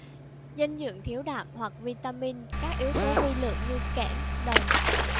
dinh dưỡng thiếu đạm hoặc vitamin các yếu tố vi lượng như kẽm đồng